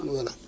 voilà